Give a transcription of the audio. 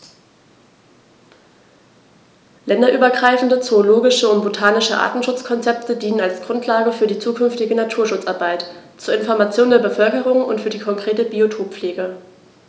Länderübergreifende zoologische und botanische Artenschutzkonzepte dienen als Grundlage für die zukünftige Naturschutzarbeit, zur Information der Bevölkerung und für die konkrete Biotoppflege.